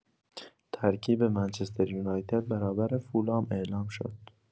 ترکیب منچستریونایتد برابر فولام اعلام شد.